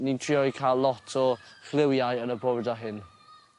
Ni'n trio i ca'l lot o chlywiau yn y boroda hyn.